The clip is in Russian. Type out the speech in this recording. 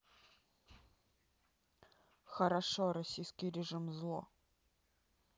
хорошо российский режим зло